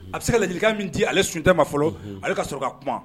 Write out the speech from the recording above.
A bɛ se kajli min di ale sun tɛ ma fɔlɔ ale ka sɔrɔ ka kuma